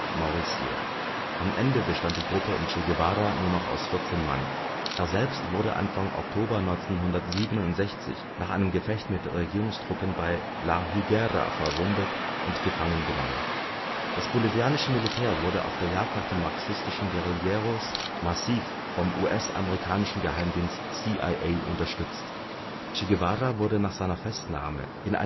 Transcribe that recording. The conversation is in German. Mauricio. Am Ende bestand die Gruppe um Che Guevara nur noch aus 14 Mann. Er selbst wurde Anfang Oktober 1967 nach einem Gefecht mit Regierungstruppen bei La Higuera verwundet und gefangen genommen. Das bolivianische Militär wurde auf der Jagd nach den marxistischen Guerilleros massiv vom US-amerikanischen Geheimdienst CIA unterstützt. Che Guevara wurde nach seiner Festnahme in